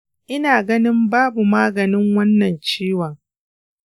ina ganin babu maganin wannan ciwon.